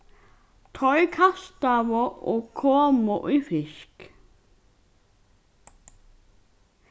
teir kastaðu og komu í fisk